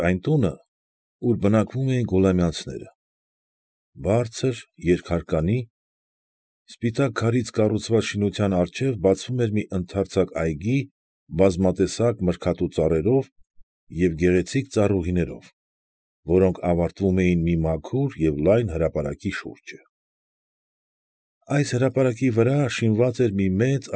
Նախանձի ոգին դարձյալ գրգռվեց։